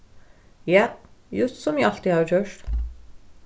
ja júst sum eg altíð havi gjørt